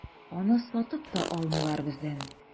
Аны сатып та алмыйлар бездән.